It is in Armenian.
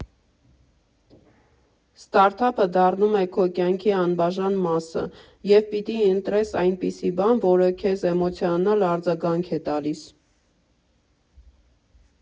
Ստարտափը դառնում է քո կյանքի անբաժան մասը, և պիտի ընտրես այնպիսի բան, որը քեզ էմոցիոնալ արձագանք է տալիս։